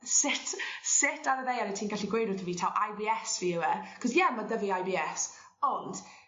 sut sut ar y ddear wyt ti'n gallu gweud wrtho fi taw Eye Bee Ess fi yw e 'c'os ie 'ma 'dy fi Eye Bee Ess ond